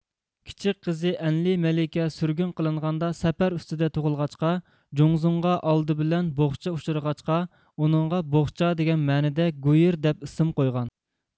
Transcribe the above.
كىچىك قىزى ئەنلې مەلىكە سۈرگۈن قىلنغاندا سەپەر ئۈستىدە تۇغۇلغاچقا جۇڭزۇڭغا ئالدى بىلەن بوقچا ئۇچرىغاچقا ئۇنىڭغا بوقچا دېگەن مەنىدە گۇئېر دەپ ئىسم قويغان